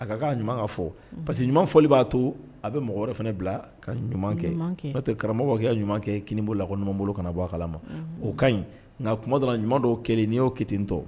A ka ka ɲuman ka fɔ parce que ɲuman fɔli b'a to a bɛ mɔgɔ wɛrɛ fana bila ka ɲuman kɛ' karamɔgɔ kɛ ka ɲuman kɛ kini' la ko n ɲumanuma bolo kana na bɔ a kala ma o ka ɲi nka kuma donna ɲuman dɔw kelen n'i'o ki ten tɔ